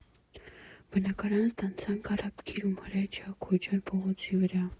Բնակարան ստացանք Արաբկիրում՝ Հրաչյա Քոչար փողոցի վրա։